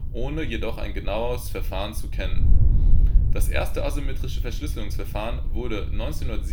ohne jedoch ein genaues Verfahren zu kennen. Das erste asymmetrische Verschlüsselungsverfahren wurde 1977